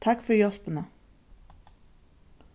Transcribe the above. takk fyri hjálpina